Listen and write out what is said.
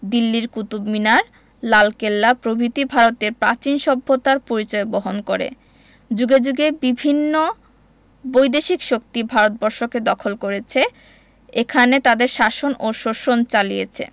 দিল্লির কুতুব মিনার লালকেল্লা প্রভৃতি ভারতের প্রাচীন সভ্যতার পরিচয় বহন করে যুগে যুগে বিভিন্ন বৈদেশিক শক্তি ভারতবর্ষকে দখল করেছে এখানে তাদের শাসন ও শোষণ চালিছে